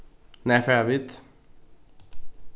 nær fara vit